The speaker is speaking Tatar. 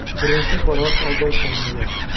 Беренче караш алдаучан була.